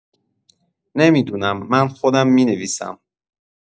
نمی‌دونم من خودم می‌نویسم!